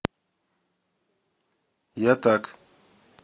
я так